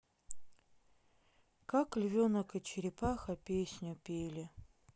как львенок и черепаха песню пели